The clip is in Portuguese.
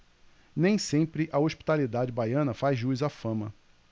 nem sempre a hospitalidade baiana faz jus à fama